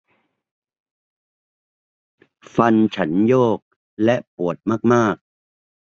ฟันฉันโยกและปวดมากมาก